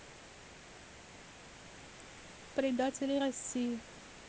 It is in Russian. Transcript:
предатели россии